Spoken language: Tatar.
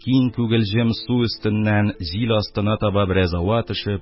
Киң күгелҗем су өстеннән җил астына таба бераз ава төшеп,